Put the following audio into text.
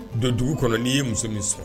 Don dugu kɔnɔ n'i ye muso min sɔr